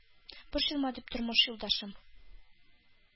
«борчылма, дип, тормыш юлдашым,